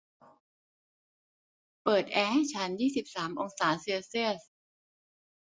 เปิดแอร์ให้ฉันยี่สิบสามองศาเซลเซียส